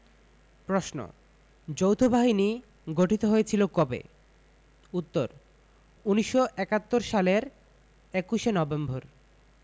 প্রশ্ন যৌথবাহিনী গঠিত হয়েছিল কবে উত্তর ১৯৭১ সালের ২১ নভেম্বর